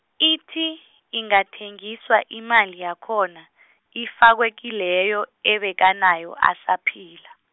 ithi, ingathengiswa imali yakhona, ifakwe kileyo, abekanayo asaphila.